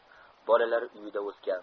bolalar uyida o'sgan